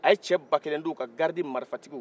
a ye cɛ ba kelen da u kan garidi marifatigiw